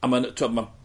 a ma'n t'wo ma'